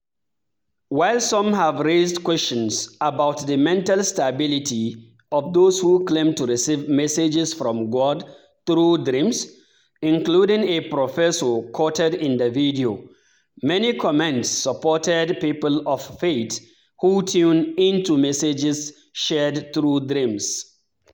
While some have raised questions about the mental stability of those who claim to receive messages from God through dreams, including a professor quoted in the video, many comments supported people of faith who tune into messages shared through dreams.